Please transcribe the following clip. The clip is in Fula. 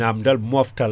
namdal moftal coñadi